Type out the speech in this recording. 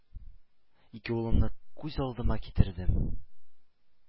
Ике улымны күз алдыма китердем,